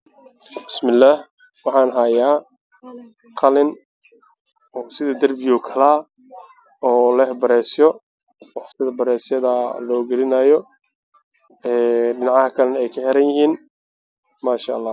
Meeshan waxaa yaal qalin lagu dabeeyo taleefannada waxaa uu leeyahay meel la geliyo xargaha midabkiisa waa qalin